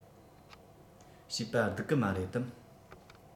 བྱིས པ སྡིག གི མ རེད དམ